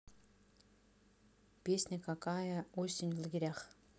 песня какая осень в лагерях